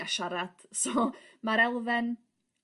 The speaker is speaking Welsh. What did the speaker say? A siarad so ma'r elfen